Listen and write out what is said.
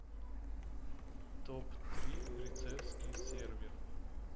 топ три грицевский сервер